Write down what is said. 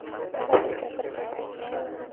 talat aka bir gap aytaymi